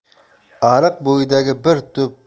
ariq bo'yidagi bir